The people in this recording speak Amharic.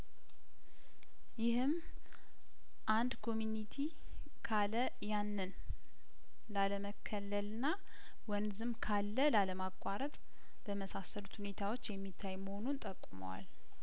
ይህም አንድ ኮሚኒቲ ካለያንን ላለመከለልና ወንዝም ካለላለማቋረጥ በመሳሰሉት ሁኔታዎች የሚታይመሆኑን ጠቁመዋል